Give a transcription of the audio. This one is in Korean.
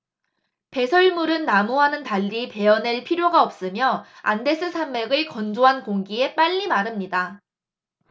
배설물은 나무와는 달리 베어 낼 필요가 없으며 안데스 산맥의 건조한 공기에 빨리 마릅니다